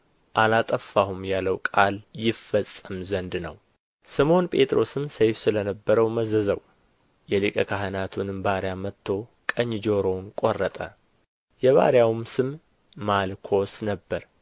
አላጠፋሁም ያለው ቃል ይፈጸም ዘንድ ነው ስምዖን ጴጥሮስም ሰይፍ ስለ ነበረው መዘዘው የሊቀ ካህናቱንም ባርያ መትቶ ቀኝ ጆሮውን ቈረጠ የባርያውም ስም ማልኮስ ነበረ